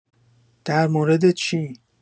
درمورد چی؟